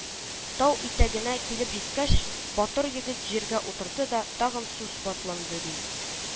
Тау итәгенә килеп җиткәч, батыр егет җиргә утырды да тагын сүз бантлады, ди: